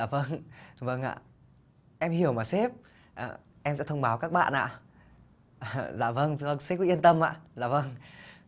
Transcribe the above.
dạ vâng vâng ạ em hiểu mà sếp dạ em sẽ thông báo với các bạn ạ dạ vâng vâng sếp cứ yên tâm ạ dạ vâng